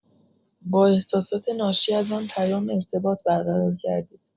با احساسات ناشی از آن پیام ارتباط برقرار کردید.